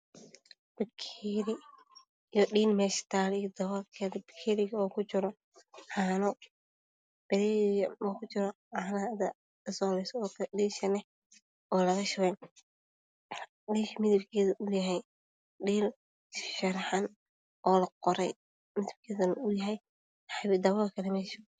Bakeeri iyo dhiil meesha taala iyo daboolkeeda. Bakeeriga waxaa kujiro caano oo dhiisha laga shubay. Dhiisha midabkeedu waa qaxwi.